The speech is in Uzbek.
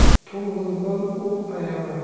to'ng'izdan o'q ayama